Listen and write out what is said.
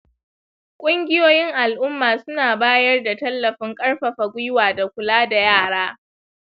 ƙungiyoyin al’umma suna bayar da tallafin ƙarfafa gwiwa da kula da yara.